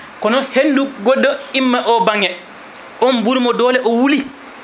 kono hendu goɗɗo imma o banggue on ɓuurimo dole o wuuli